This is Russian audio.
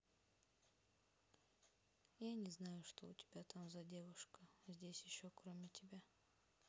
я не знаю что у тебя за девушка здесь еще кроме тебя